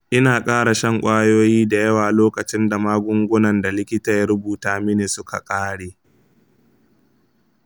ina ƙara shan ƙwayoyi da yawa lokacin da magungunan da likita ya rubuta mini suka ƙare.